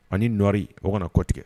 Ani nɔ o kana na kɔ tigɛ